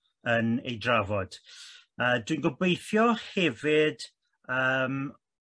yn ei drafod yy dwi'n gobeithio hefyd yym